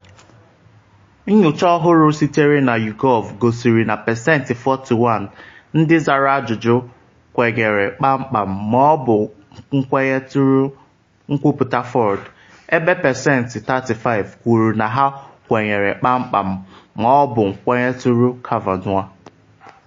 Nyocha ọhụrụ sitere na YouGov gosiri na pesentị 41 ndị zara ajụjụ kwenyere kpamkpam ma ọ bụ kwenyetụrụ nkwuputa Ford, ebe pesentị 35 kwuru na ha kwenyere kpamkpam ma ọ bụ kwenyetụrụ Kavanaugh.